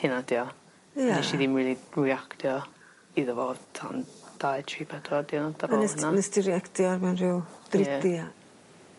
hyna 'di o. Ie. Nesh i ddim rili reactio iddo fo tan dau tri pedwar diwrnod ar ôl yna. A nes t- nes di reactio mewn ryw dridia? Ia